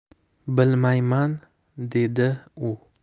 bilmayman dedi u